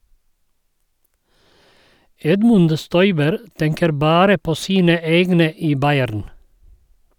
Edmund Stoiber tenker bare på sine egne i Bayern.